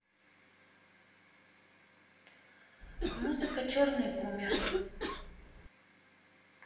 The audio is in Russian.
музыка черный бумер